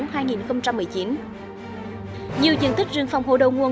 hai nghìn không trăm mười chín nhiều diện tích rừng phòng hộ đầu nguồn